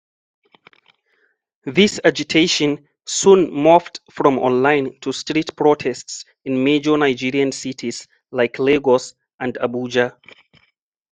This agitation soon morphed from online to street protests in major Nigerian cities like Lagos and Abuja.